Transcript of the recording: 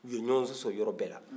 u ye ɲɔgɔn sɔsɔ yɔrɔ bɛɛ la